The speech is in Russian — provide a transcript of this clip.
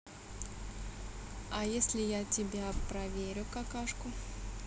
а если я тебя проверю какашку